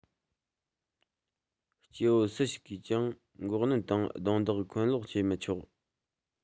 སྐྱེ བོ སུ ཞིག གིས ཀྱང འགོག གནོན དང རྡུང རྡེག འཁོན སློག བྱས མི ཆོག